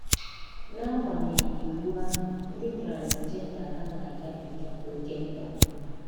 Na-agbanyeghị iwu ahụ, ndị transịjemda ka na-agabiga oke mkpagbu.